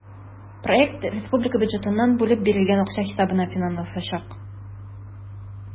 Проект республика бюджетыннан бүлеп бирелгән акча хисабына финансланачак.